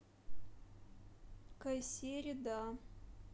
кайсери да